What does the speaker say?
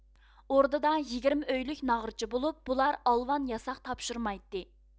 ئوردىدا يىگىرمە ئۆيلۈك ناغرىچى بولۇپ بۇلار ئالۋان ياساق تاپشۇرمايتتى